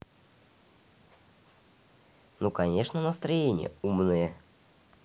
ну конечно настроение умные